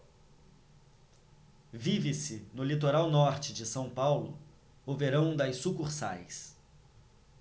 vive-se no litoral norte de são paulo o verão das sucursais